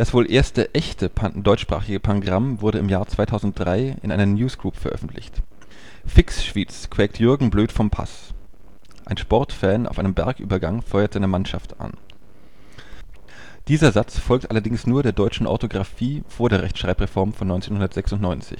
wohl erste echte deutschsprachige Pangramm wurde im Jahr 2003 in einer Newsgroup veröffentlicht: „ Fix, Schwyz! “quäkt Jürgen blöd vom Paß. (Ein Sportfan auf einem Bergübergang feuert seine Mannschaft an.) Dieser Satz folgt allerdings nur der deutschen Orthographie vor der Rechtschreibreform von 1996